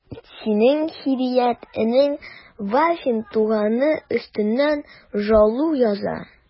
Синең Һидият энең Вафин туганы өстеннән жалу яза...